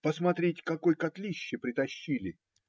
Посмотрите, какой котлище притащили,